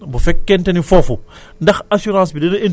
mooy boo bayee ba noppi denc ba